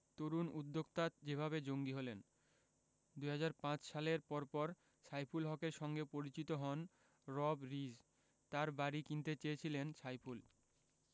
তরুণ উদ্যোক্তা যেভাবে জঙ্গি হলেন ২০০৫ সালের পরপর সাইফুল হকের সঙ্গে পরিচিত হন রব রিজ তাঁর বাড়ি কিনতে চেয়েছিলেন সাইফুল